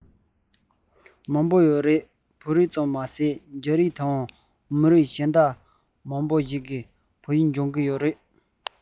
མང པོ ཡོད རེད བོད རིགས ཙམ མ ཟད རྒྱ རིགས དང མི རིགས གཞན དག མང པོ ཞིག གིས བོད ཡིག སྦྱང གི ཡོད རེད